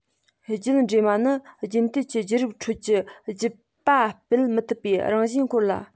རྒྱུད འདྲེས མ ནི རྒྱུན མཐུད ཀྱི རྒྱུད རབས ཁྲོད ཀྱི རྒྱུད པ སྤེལ མི ཐུབ པའི རང བཞིན སྐོར ལ